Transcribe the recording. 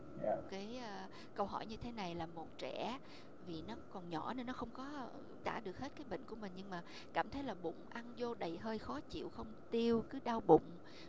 cái câu hỏi như thế này là một trẻ vì nó còn nhỏ nên nó không có tả được hết được cái bệnh của mình nhưng mà cảm thấy là bụng ăn vô đầy hơi khó chịu không tiêu cứ đau bụng